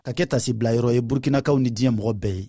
k'a kɛ taasibilayɔrɔ ye burukinakaw ni diɲɛ mɔgɔ bɛɛ ye